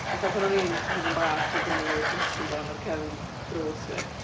fatha pan o'n i'n hogan bach o' gynno fi dressing gown ar cefn drws fi